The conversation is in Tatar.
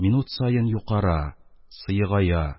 Минут саен юкара, сыегая;